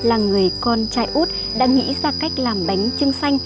là người con trai út đã nghĩ ra cách làm bánh chưng xanh